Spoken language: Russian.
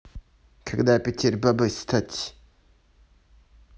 когда петер бабой стать